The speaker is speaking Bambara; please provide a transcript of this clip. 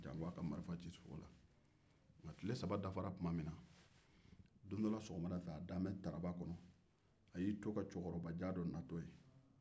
a tile saba dafara tuma min na don dɔ sɔgɔmada fɛ a dalen taraba kɔnɔ a ye cɛkɔrɔba jan dɔ natɔ ye